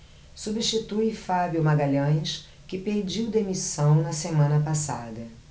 substitui fábio magalhães que pediu demissão na semana passada